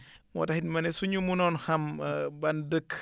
moo tax it ma ne su ñu mënoon xam ban dëkk